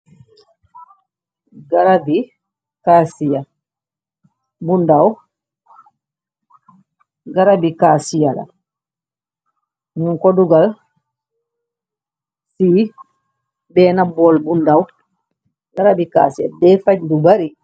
Garap bi kasia bu ndow garapbi kasia la nun ko dugal sii beena bool bundaw garabi kaasia def dee faj lu bari.